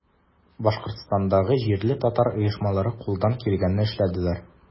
Башкортстандагы җирле татар оешмалары кулдан килгәнне эшләделәр.